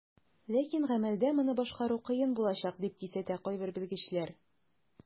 Ләкин гамәлдә моны башкару кыен булачак, дип кисәтә кайбер белгечләр.